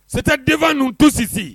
Sisanta denfa ninnu to sisi